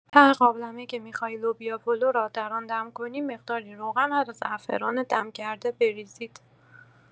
ته قابلمه‌ای که می‌خواهید لوبیا پلو را در آن دم کنیم مقداری روغن و زعفران دم کرده بریزید.